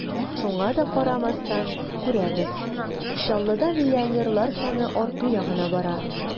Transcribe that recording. Шуңа да карамастан, күрәбез: Чаллыда миллионерлар саны арту ягына бара.